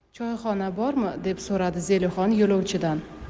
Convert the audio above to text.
choyxona bormi deb so'radi zelixon yo'lovchidan